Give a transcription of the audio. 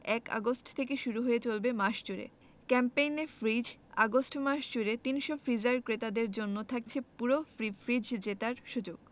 ১ August থেকে শুরু হয়ে চলবে মাস জুড়ে ক্যাম্পেইনে ফ্রিজ আগস্ট মাস জুড়ে ৩০০ ফ্রিজার ক্রেতাদের জন্য থাকছে পুরো ফ্রি ফ্রিজ জেতার সুযোগ